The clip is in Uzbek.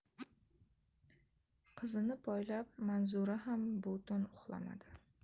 qizini poylab manzura ham bu tun uxlamadi